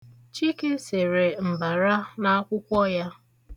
Chike sere mbara n'akwụkwọ ya.